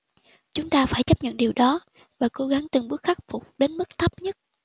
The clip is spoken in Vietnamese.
chúng ta phải chấp nhận điều đó và cố gắng từng bước khắc phục đến mức thấp nhất